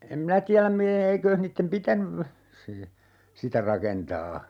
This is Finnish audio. en minä tiedä - eikös niiden pitänyt se sitä rakentaa